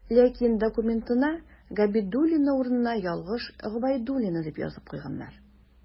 Ләкин документына «Габидуллина» урынына ялгыш «Гобәйдуллина» дип язып куйганнар.